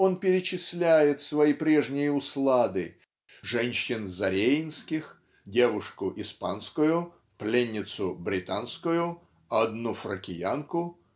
он перечисляет свои прежние услады женщин зарейнских "девушку испанскую" "пленницу британскую" "одну фракиянку"